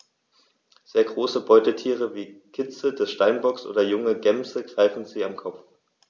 Sehr große Beutetiere wie Kitze des Steinbocks oder junge Gämsen greifen sie am Kopf.